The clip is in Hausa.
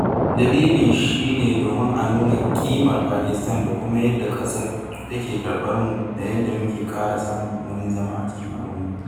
Dalilin shi ne domin a nuna ƙimar Pakistan da kuma yadda ƙasar take karɓarmu da yadda muke ƙara samun wurin zama a cikin al'umma.